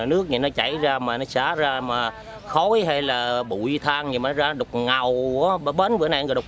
nước nó chảy ra mệt rã rời mà khối hay là bụi than thì mới ra đục ngầu của bờ bến với nạn đột